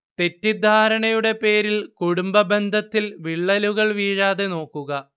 തെറ്റിധാരണയുടെ പേരിൽ കുടുംബബന്ധത്തിൽ വിള്ളലുകൾ വീഴാതെ നോക്കുക